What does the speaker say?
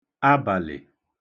abàlị̀